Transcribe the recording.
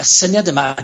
y syniad yma, a...